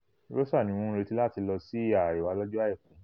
Rosa ni wọ́n ń retí láti lọsí ìhà àríwá lọjọ́ Àìkú.